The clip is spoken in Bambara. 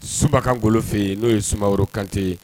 Sunba ka Ngolo fe yen, n'o ye Sumaworo kante ye